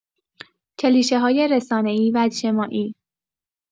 کلیشه‌های رسانه‌ای و اجتماعی